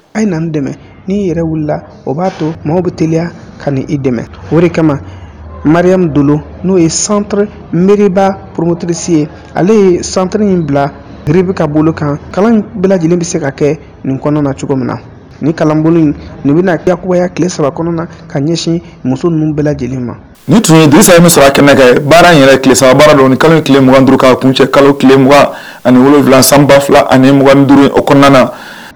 A ye na dɛmɛ ni yɛrɛ wulila o b' aa to maaw bɛ teliya ka i dɛmɛ o kama maria min don n'o ye santbiriba poromterisi ye ale ye san 1 in bila bierebe ka bolo kan kalan bɛɛ lajɛlen bɛ se ka kɛ nin kɔnɔna na cogo min na ni kalankolon in nin bɛna kɛkuya tilele saba kɔnɔna na ka ɲɛsin muso ninnu bɛɛ lajɛlen ma nin tun ye disa ye min sɔrɔ a kɛnɛ kɛ baara yɛrɛ tile sababara don ni kalo tilele 2 duru ka kun cɛ kalo tileugan ani wolofila san 2 fila aniugan duuru o kɔnɔna na